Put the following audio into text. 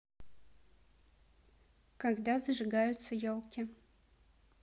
когда зажигаются елки